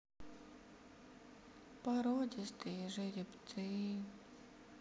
породистые жеребцы